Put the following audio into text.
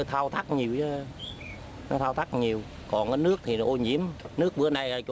thao tác nhiều thao tác nhiều còn nước thì ô nhiễm nước mưa này